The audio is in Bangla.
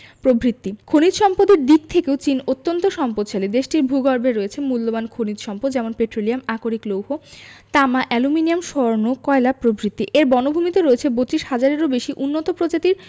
প্রভ্রিতি খনিজ সম্পদের দিক থেকেও চীন অত্যান্ত সম্পদশালী দেশটির ভূগর্ভে রয়েছে মুল্যবান খনিজ সম্পদ যেমন পেট্রোলিয়াম আকরিক লৌহ তামা অ্যালুমিনিয়াম স্বর্ণ কয়লা প্রভৃতি এর বনভূমিতে রয়েছে ৩২ হাজারেরও বেশি উন্নত প্রজাতির